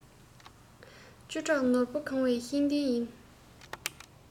བཅུ ཕྲག ནོར བུས གང བའི ཤེས ལྡན ཡིན